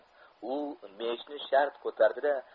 u meshni shart ko'tardi da